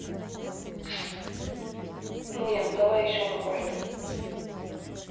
нет давай еще какой то